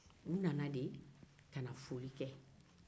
u nana foli de kɛ